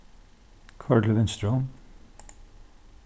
koyr til vinstru